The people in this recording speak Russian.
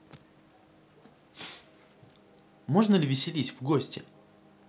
можно ли веселись в гости